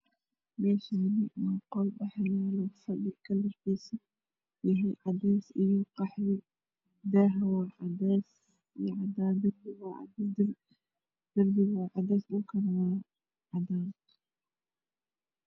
Meshaani waa qol waxaa yaalo fadhi kalar kiisu yahay cadees iyo qaxwi dah waa cadees iyo cadaan darbig waa cadees dhukun waa cadaan